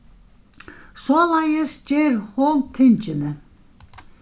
soleiðis ger hon tingini